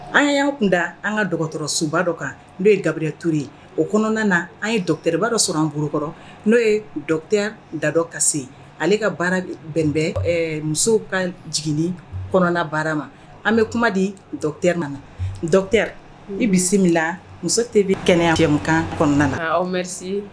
An y'an kun da an ka dɔgɔtɔrɔ suba dɔ kan n'o ye dabiritour ye o kɔnɔna na an yeba dɔ sɔrɔ an bolo kɔrɔ n'o ye dɔ dadɔ ka se ale ka baara bɛnbɛn musow ka jigin kɔnɔna baara ma an bɛ kuma dite nana i bisimila min muso tɛ bɛ kɛnɛya kɔnɔna na